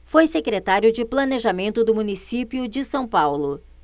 foi secretário de planejamento do município de são paulo